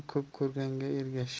ko'p ko'rganga ergash